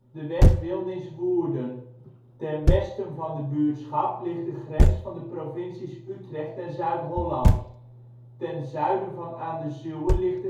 de weg Wilnis-Woerden. Ten westen van de buurtschap ligt de grens van de provincies Utrecht en Zuid-Holland. Ten zuiden van Aan de Zuwe ligt